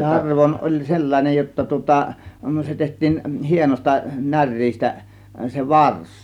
tarvoin oli sellainen jotta tuota se tehtiin hienosta näreestä se varsi